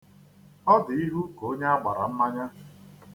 Ọ dị ihu ka onye a gbara mmanya.